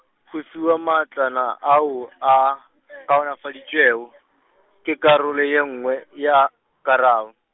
go fiwa matlwana ao a, kaonafaditšwego, ke karolo ye ngwe ya, karabo.